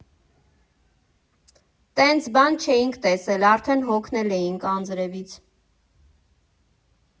Տենց բան չէինք տեսել, արդեն հոգնել էինք անձրևից։